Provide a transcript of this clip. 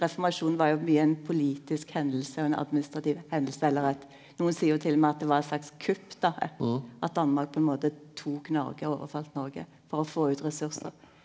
reformasjonen var jo mykje ein politisk hending og ein administrativ hending eller eit nokon seier jo t.o.m. at det var eit slags kupp då at Danmark på ein måte tok Noreg og overfalle Noreg for å få ut ressursar.